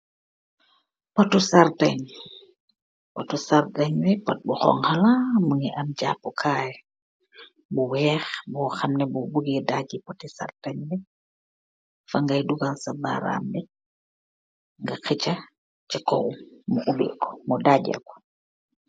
Auto sardin bi bu khonka la bu wekh nga hecha si kaw mu ubi ko